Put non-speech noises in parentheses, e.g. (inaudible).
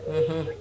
(hesitation) (hesitation)